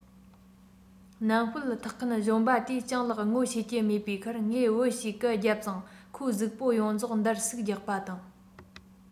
སྣམ སྤུ འཐགས མཁན གཞོན པ དེས སྤྱང ལགས ངོ ཤེས ཀྱི མེད པའི ཁར ངའི བུ ཞེས སྐད རྒྱབ ཙང ཁོའི གཟུགས པོ ཡོངས རྫོགས འདར གསིག རྒྱག པ དང